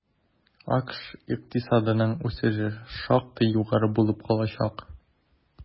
АКШ икътисадының үсеше шактый югары булып калачак.